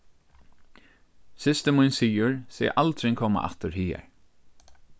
systir mín sigur seg aldrin koma aftur higar